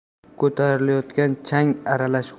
ko'tarilayotgan chang aralash